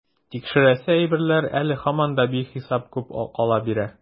Тикшерәсе әйберләр әле һаман да бихисап күп кала бирә.